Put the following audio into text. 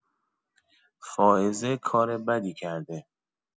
فائزه کار بدی کرده.